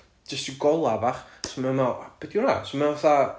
jyst ryw golau fach so ma'n meddwl "o be 'di hwnna?" So ma'n fatha